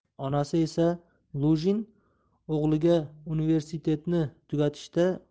ona esa lujin o'g'liga universitetni tugatishda